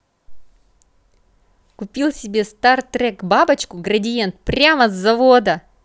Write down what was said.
купил себе стартрек бабочку градиент прямо с завода